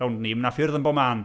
Rownd ni, ma' 'na ffyrdd yn bob man.